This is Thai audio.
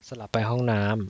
สลับไปห้องน้ำ